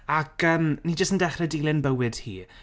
Ac yym ni jyst yn dechrau dilyn bywyd hi.